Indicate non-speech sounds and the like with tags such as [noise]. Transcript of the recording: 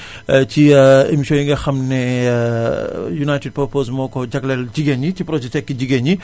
[inhales] [hesitation] ci [hesitation] émissions yi nga xam ne [hesitation] United Purpose moo ko jagleel jigéen ñi ci projet tekki jigéen ñi